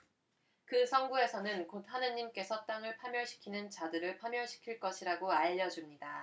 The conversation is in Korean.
그 성구에서는 곧 하느님께서 땅을 파멸시키는 자들을 파멸시키실 것이라고 알려 줍니다